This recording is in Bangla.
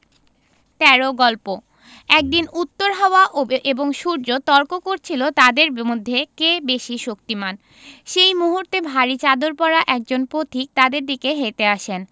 ১৩ গল্প একদিন উত্তর হাওয়া এবং সূর্য তর্ক করছিল তাদের মধ্যে কে বেশি শক্তিমান সেই মুহূর্তে ভারি চাদর পরা একজন পথিক তাদের দিকে হেটে আসেন